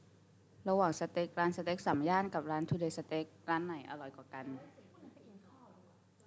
ระหว่างสเต็กร้านสเต็กสามย่านกับร้านทูเดย์สเต็กร้านไหนอร่อยกว่ากัน